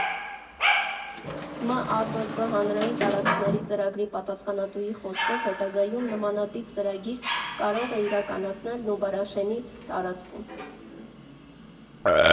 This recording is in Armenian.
ՄԱԶԾ հանրային տարածքների ծրագրի պատասխանատուի խոսքով՝ հետագայում նմանատիպ ծրագիր կարող է իրականացվել Նուբարաշենի տարածքում։